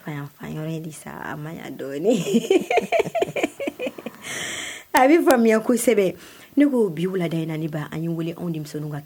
Fa dɔɔnin a bɛ faamuya kosɛbɛ ne koo bi wulada in naani ba an ye weele anw kan